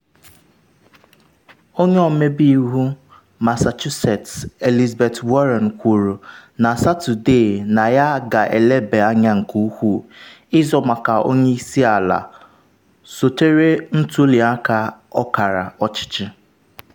Onye ọmebe iwu Massachusettes Elizabeth Warren kwuru na Satọde na ya “ga-elebe anya nke ukwuu” ịzọ maka onye isi ala, sotere ntuli aka ọkara ọchịchị.